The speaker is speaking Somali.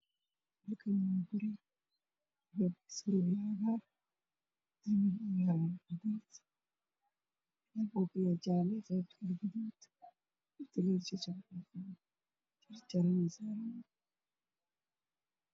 Waa albaab midabkiisu yahay cagaar darbiyada waa caddaan iyo qalin